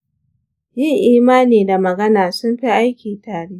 yin imani da magana sunfi aiki tare.